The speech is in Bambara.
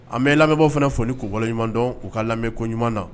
A bɛ lamɛnw fana fo ni ko waleɲuman dɔn u ka lamɛn ko ɲuman na.